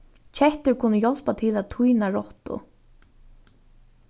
kettur kunnu hjálpa til at týna rottu